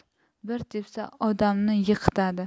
bir tepsa odamni yiqitadi